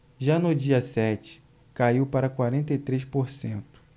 já no dia sete caiu para quarenta e três por cento